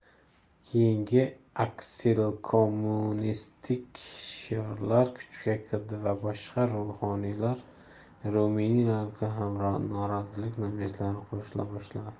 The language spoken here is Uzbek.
keyin aksilkommunistik shiorlar kuchga kirdi va boshqa ruminiyaliklar ham norozilik namoyishlariga qo'shila boshladi